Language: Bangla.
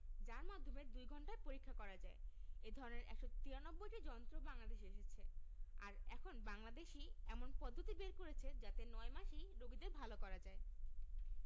যার মাধ্যমে দুই ঘণ্টায় পরীক্ষা করা যায় এ ধরনের ১৯৩টি যন্ত্র বাংলাদেশে এসেছে আর এখন বাংলাদেশই এমন পদ্ধতি বের করেছে যাতে ৯ মাসেই রোগীদের ভালো করা যায়